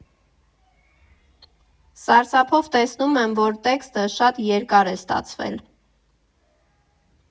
Սարսափով տեսնում եմ, որ տեքստը շատ երկար է ստացվել։